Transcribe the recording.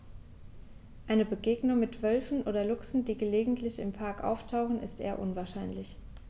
Eine Begegnung mit Wölfen oder Luchsen, die gelegentlich im Park auftauchen, ist eher unwahrscheinlich.